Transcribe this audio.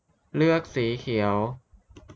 เลือกสีเขียว